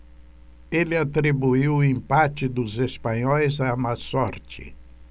ele atribuiu o empate dos espanhóis à má sorte